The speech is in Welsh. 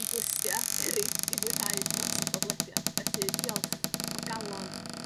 i glustia eryll i fwynhau dros y podlediad felly diolch o galon